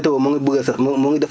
waaw ci langue bu ñu mën a déggee